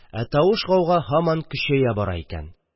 Ә тавыш, гауга һаман көчәя бара икән.